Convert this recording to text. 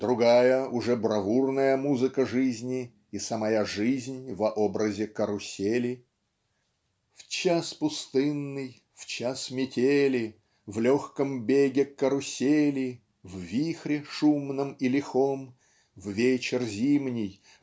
другая, уже бравурная музыка жизни и самая жизнь в образе Карусели В час пустынный в час метели В легком беге карусели В вихре шумном и лихом В вечер зимний